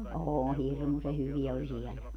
on hirmuisen hyviä oli siellä